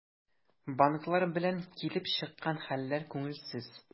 Банклар белән килеп чыккан хәлләр күңелсез.